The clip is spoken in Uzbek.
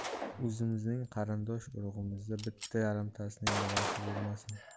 o'zimizning qarindosh urug'imizda bitta yarimtasining bolasi bo'lmasin